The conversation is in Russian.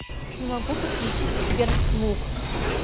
не могу подключить сбер звук